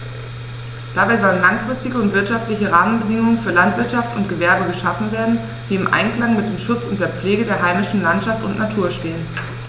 Dabei sollen langfristige und wirtschaftliche Rahmenbedingungen für Landwirtschaft und Gewerbe geschaffen werden, die im Einklang mit dem Schutz und der Pflege der heimischen Landschaft und Natur stehen.